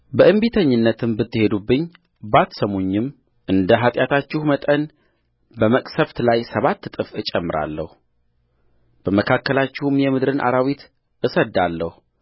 በእንቢተኝነትም ብትሄዱብኝ ባትሰሙኝም እንደ ኃጢአታችሁ መጠን በመቅሠፍት ላይ ሰባት እጥፍ እጨምራለሁበመካከላችሁም የምድርን አራዊት እሰድዳለሁ